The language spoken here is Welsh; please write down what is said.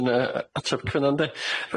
Dyna yy ateb cryno ynde.